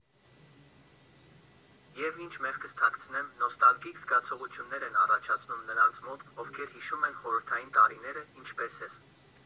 Եվ, ինչ մեղքս թաքցնեմ, նոստալգիկ զգացողություններ են առաջացնում նրանց մոտ, ովքեր հիշում են խորհրդային տարիները, ինչպես ես։